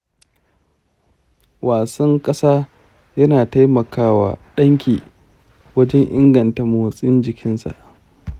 wasan kasa yana taimakawa danki wajen inganta motsin jikinsa.